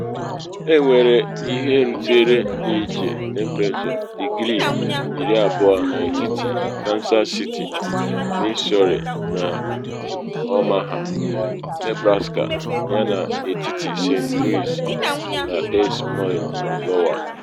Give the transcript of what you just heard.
Enwere ihe rutere ndịiche temprechọ digrii-20 n’etiti Kansas City, Missouri, na Omaha, Nebraska, yana n’etiti St. Louis na Des Moined, Iowa.